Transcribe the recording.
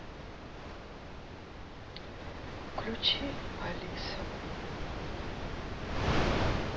включи алиса